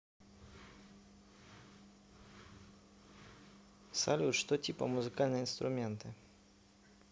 салют что типо музыкальные инструменты